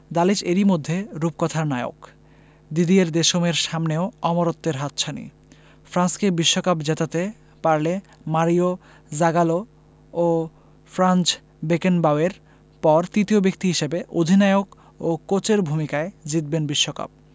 Dalic এরই মধ্যে রূপকথার নায়ক দিদিয়ের দেশমের সামনেও অমরত্বের হাতছানি ফ্রান্সকে বিশ্বকাপ জেতাতে পারলে মারিও জাগালো ও ফ্রাঞ্জ বেকেনবাওয়ারের পর তৃতীয় ব্যক্তি হিসেবে অধিনায়ক ও কোচের ভূমিকায় জিতবেন বিশ্বকাপ